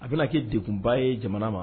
A bɛna kɛ dekunba ye jamana ma